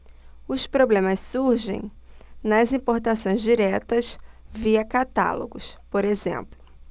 os problemas surgem nas importações diretas via catálogos por exemplo